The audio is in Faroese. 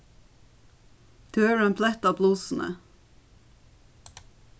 tú hevur ein blett á blusuni